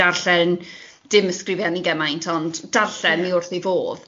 darllen, dim ysgrifennu gymaint, ond darllen ma'i wrth ei bodd.